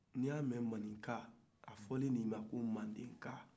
n'i y'a mɛn ko maninka a fɔra anw ma mandenka